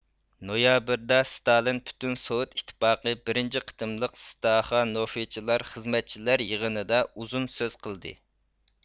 نويابىردا ستالىن پۈتۈن سوۋېت ئىتتىپاقى بىرىنچى قېتىملىق ستاخانوفىچلار خىزمەتچىلەر يىغىنىدا ئۇزۇن سۆز قىلدى